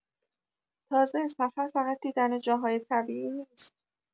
تازه سفر فقط دیدن جاهای طبیعی نیست.